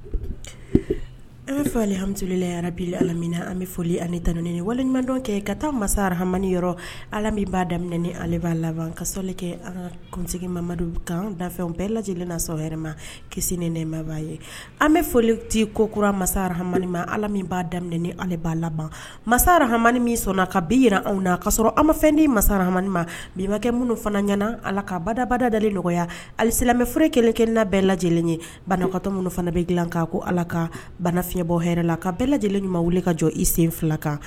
An bɛ fɛ hamidulara bi ala an bɛ foli ani tan ye walimaɲuman kɛ ka taa masa hamani yɔrɔ ala min b ale b'a la kali kɛ an kuntigi mamadu kandaw bɛɛ lajɛlen nasɔrɔma kisi ni nɛma ye an bɛ foli te ko kura masa hamama ala min b daminɛ ale b a la masara hama min sɔnna ka bin jira anw na ka sɔrɔ an fɛnden masa hama ma bibakɛ minnu fana ɲɛnaana ala ka badabadada nɔgɔya hali silamɛmɛforo kelen kelenina bɛɛ lajɛ lajɛlen ye banakatɔ minnu fana bɛ dilan k ko ala ka bana fiɲɛɲɛbɔ hɛrɛ la ka bɛɛ lajɛlen ɲuman wele ka jɔ i sen fila kan